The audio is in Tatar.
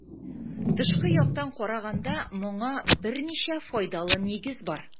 Тышкы яктан караганда моңа берничә файдалы нигез бар.